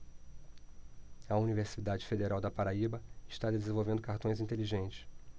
a universidade federal da paraíba está desenvolvendo cartões inteligentes